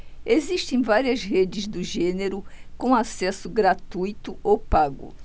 existem várias redes do gênero com acesso gratuito ou pago